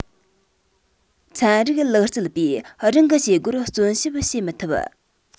ཚན རིག ལག རྩལ པས རང གི བྱེད སྒོར བརྩོན ཞིབ བྱེད མི ཐུབ